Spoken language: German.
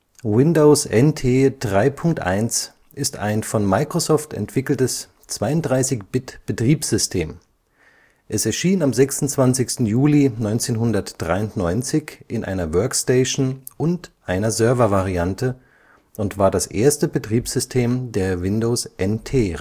Windows NT 3.1 ist ein von Microsoft entwickeltes 32-Bit-Betriebssystem. Es erschien am 26. Juli 1993 in einer Workstation - und einer Servervariante und war das erste Betriebssystem der Windows-NT-Reihe